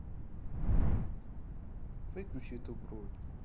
выключи эту бронь